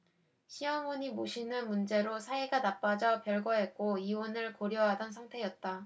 시어머니 모시는 문제로 사이가 나빠져 별거했고 이혼을 고려하던 상태였다